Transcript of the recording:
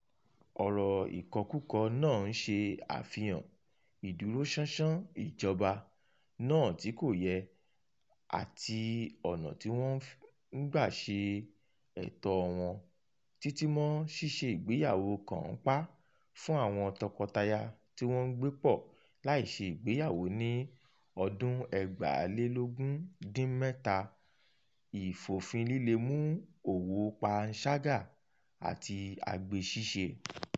"Ọ̀rọ̀ ìkọkúkọ" náà ń ṣe àfihàn ìdúróṣánṣán ìjọba náà tí kò yẹ̀ àti ọ̀nà tí wọ́n ń gbà ṣe ẹ̀tọ́ọ wọn, títí mọ́ ṣíṣe ìgbéyàwó kànńpá fún àwọn tọkọtaya tí wọ́n ń gbépọ̀ láìṣe ìgbéyàwó ní 2017, ìfòfinlíle mú òwòo panṣágà àti agbe ṣíṣe.